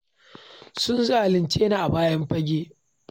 "Sun zalunce ni a bayan fage.